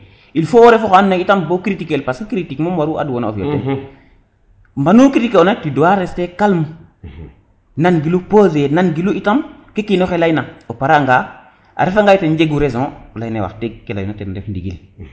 il faut o refo xa ando naye itam bo o critiquer el parce que critique moom waru ad wa nena o fiyel ten mbadu critique ena tu dois rester calme nan gilu peser nan gilu itam ke kino xe leyna o pare anga arefa nga ten jegu raison o leyne wax deeg ke leyona ten ref ndigil